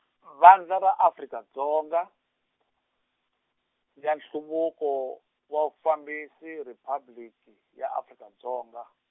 Vandla ra Afrika Dzonga ya Nhluvuko wa Vufambisi Riphabliki ya Afrika dzonga.